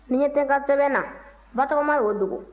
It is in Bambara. ne ɲɛ tɛ n ka sɛbɛn na batɔgɔma y'o dogo